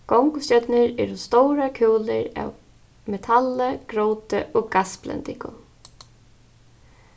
gongustjørnur eru stórar kúlur av metali gróti og gassblendingum